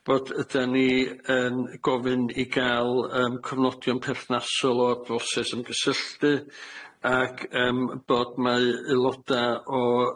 Bod ydan ni yn gofyn i ga'l yym cofnodion perthnasol o'r broses ymgysylltu, ac yym bod mae aeloda' o